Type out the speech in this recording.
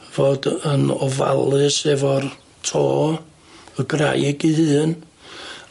fod yn ofalus efo'r to, y graig 'i hun